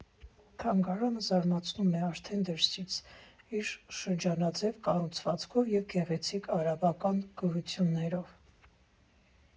Թանգարանը զարմացնում է արդեն դրսից՝ իր շրջանաձև կառուցվածքով և գեղեցիկ արաբական գրություններով։